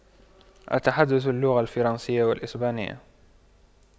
أتحدث اللغة الفرنسية والإسبانية